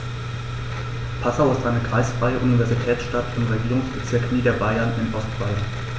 Passau ist eine kreisfreie Universitätsstadt im Regierungsbezirk Niederbayern in Ostbayern.